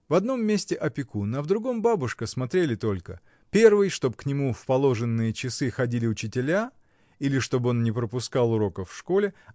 В одном месте опекун, а в другом бабушка смотрели только, — первый, чтоб к нему в положенные часы ходили учителя или чтоб он не пропускал уроков в школе